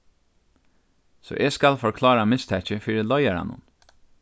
so eg skal forklára mistakið fyri leiðaranum